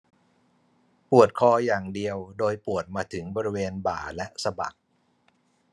ปวดคออย่างเดียวโดยปวดมาถึงบริเวณบ่าและสะบัก